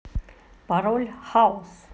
пароль хаус